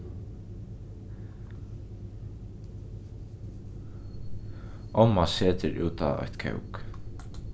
omma setur útá eitt kók